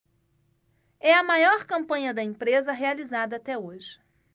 é a maior campanha da empresa realizada até hoje